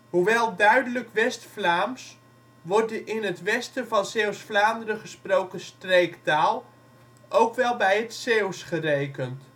Hoewel duidelijk West-Vlaams wordt de in het westen van Zeeuws-Vlaanderen gesproken streektaal ook wel bij het Zeeuws gerekend